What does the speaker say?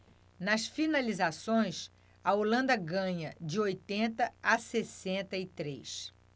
nas finalizações a holanda ganha de oitenta a sessenta e três